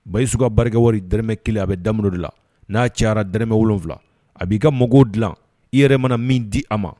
Bayisu ka baarakɛ wari dɔrɔmɛ 1 a bɛ daminɛ o de la, n'a cɛyara dɔrɛmɛ7 , a b'i ka magɔw dilan i yɛrɛ mana min di a ma.